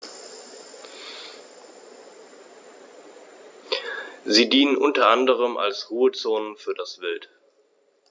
Sie dienen unter anderem als Ruhezonen für das Wild.